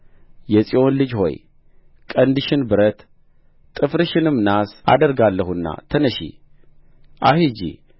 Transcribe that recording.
የጽዮን ልጅ ሆይ ቀንድሽን ብረት ጥፍርሽንም ናስ አደርጋለሁና ተነሺ አሂጂ